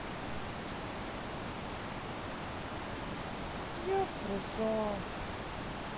я в трусах